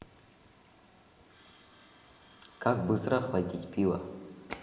как быстро охладить пиво